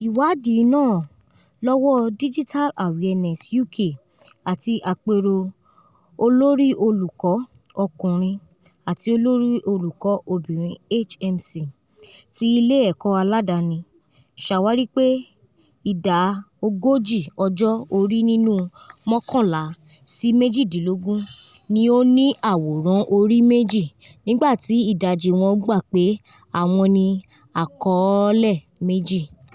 Iwaadi naa, lọwọ Digital Awareness UK ati Apero Olori olukọ ọkunrin” ati Olori olukọ obinrin” (HMC) ti ile ẹkọ aladani, ṣawari pe ida 40 ọjọ ori nínú 11 si 18 ni o ni aworan ori meji, nigba ti idaji wọn gba pe awọn ni akọọlẹ meji.